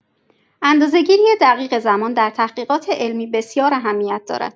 اندازه‌گیری دقیق زمان در تحقیقات علمی بسیار اهمیت دارد.